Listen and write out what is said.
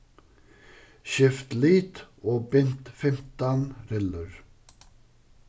skift lit og bint fimtan rillur